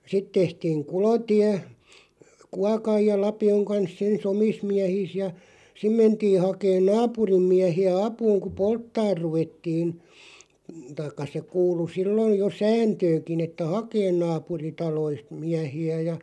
sitten tehtiin kulotie kuokan ja lapion kanssa ensin omissa miehissä ja sinne mentiin hakemaan naapurin miehiä apuun kun polttamaan ruvettiin tai se kuului silloin jo sääntöönkin että hakemaan naapuritaloista miehiä ja